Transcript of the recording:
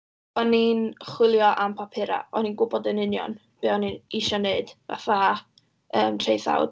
O'n i'n chwilio am papurau. O'n i'n gwybod yn union be o'n i'n isio wneud fatha, yym, traethawd.